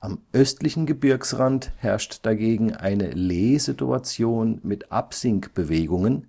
Am östlichen Gebirgsrand herrscht dagegen eine Leesituation mit Absinkbewegungen,